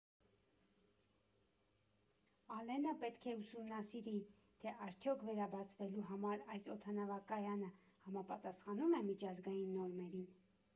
Ալենը պետք է ուսումնասիրի, թե արդյո՞ք վերաբացվելու համար այս օդանավակայանը համապատասխանում է միջազգային նորմերին։